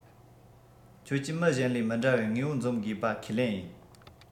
ཁྱོད ཀྱིས མི གཞན ལས མི འདྲ བའི དངོས པོ འཛོམས དགོས པ ཁས ལེན ཡིན